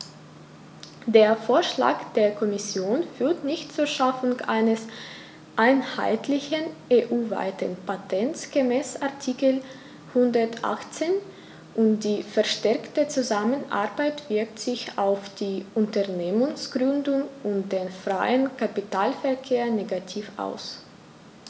Der Vorschlag der Kommission führt nicht zur Schaffung eines einheitlichen, EU-weiten Patents gemäß Artikel 118, und die verstärkte Zusammenarbeit wirkt sich auf die Unternehmensgründung und den freien Kapitalverkehr negativ aus.